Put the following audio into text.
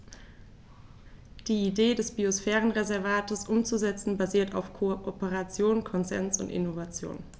Die Idee des Biosphärenreservates umzusetzen, basiert auf Kooperation, Konsens und Innovation.